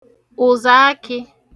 ụ̀zàakị̄